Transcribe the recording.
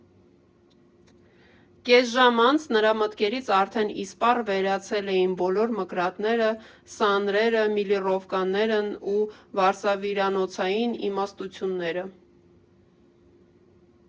Կես ժամ անց նրա մտքերից արդեն իսպառ վերացել էին բոլոր մկրատները, սանրերը, միլիռովկաներն ու վարսավիրանոցային իմաստությունները։